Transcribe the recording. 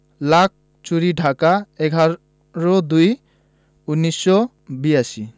Lalkuthi Dhaka ১১ ০২ ১৯৮২